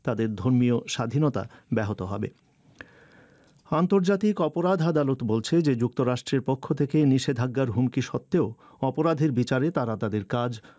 তাদের ধর্মীয় স্বাধীনতা ব্যাহত হবে আন্তর্জাতিক অপরাধ আদালত বলছে যে যুক্তরাষ্ট্রের পক্ষ থেকে নিষেধাজ্ঞার হুমকি সত্ত্বেও অপরাধের বিচারে তারা তাদের কাজ